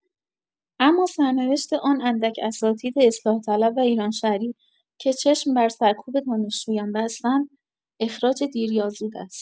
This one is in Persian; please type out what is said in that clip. اما سرنوشت آن اندک اساتید اصلاحطلب و ایرانشهری که چشم بر سرکوب دانشجویان بستند اخراج دیر یا زود است.